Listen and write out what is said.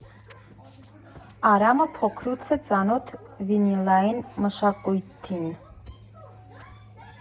Արամը փոքրուց է ծանոթ վինիլային մշակույթին։